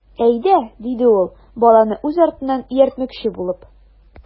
Әйдә,— диде ул, баланы үз артыннан ияртмөкче булып.